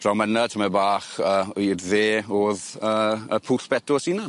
Draw myna tamed bach yy i'r dde o'dd yy y Pwll Betws 'i unan.